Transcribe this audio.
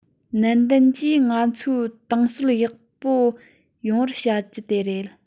ནན ཏན གྱིས ང ཚོའི ཏང སྲོལ ཡག པོ ཡོང བར བྱ རྒྱུ དེ རེད